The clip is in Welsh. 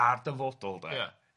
...a'r dyfodol de... Ia.